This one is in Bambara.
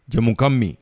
Jamu ka min